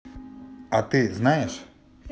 а ты знаешь